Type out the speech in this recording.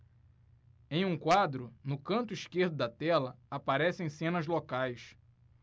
em um quadro no canto esquerdo da tela aparecem cenas locais